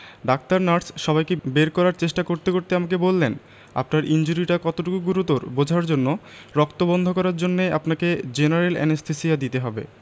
doctor nurse সবাইকে বের করার চেষ্টা করতে করতে আমাকে বললেন আপনার ইনজুরিটা কতটুকু গুরুতর বোঝার জন্য রক্ত বন্ধ করার জন্যে আপনাকে জেনারেল অ্যানেসথেসিয়া দিতে হবে